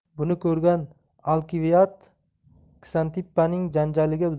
buni ko'rgan alkiviad ksantippaning janjaliga